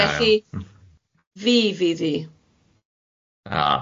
Felly, fi fydd hi.